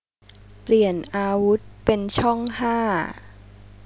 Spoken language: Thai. เปลี่ยนอาวุธเป็นช่องห้า